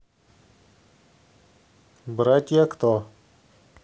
братья кто